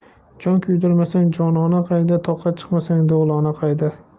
jon kuydirmasang jonona qayda toqqa chiqmasang do'lona qayda